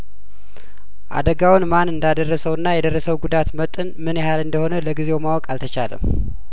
አደጋውን ማን እንዳደረሰ ውና የደረሰው ጉዳት መጠንምን ያህል እንደሆነ ለጊዜው ማወቅ አልተቻለም